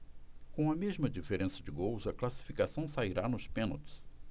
com a mesma diferença de gols a classificação sairá nos pênaltis